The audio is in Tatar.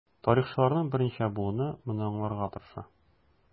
Тарихчыларның берничә буыны моны аңларга тырыша.